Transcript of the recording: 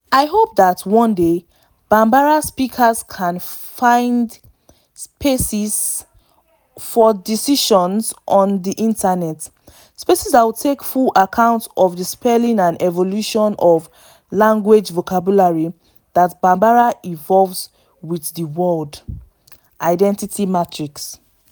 I hope that one day, Bambara speakers can find spaces for discussion on the internet, spaces that take full account of the spelling and evolution of the language's vocabulary, that Bambara evolves with the world #identitymatrix